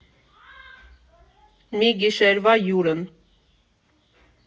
Մի գիշերվա հյուրն։